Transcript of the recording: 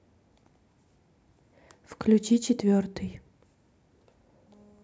включи четвертый